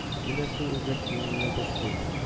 Менә шул эзләр күңелне борчый